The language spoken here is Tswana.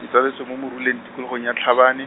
ke tsaletswe mo Moruleng tikologong ya Tlhabane.